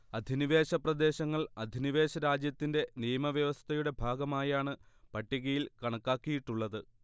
അധിനിവേശപ്രദേശങ്ങൾ അധിനിവേശരാജ്യത്തിന്റെ നിയമവ്യവസ്ഥയുടെ ഭാഗമായാണ് പട്ടികയിൽ കണക്കാക്കിയിട്ടുള്ളത്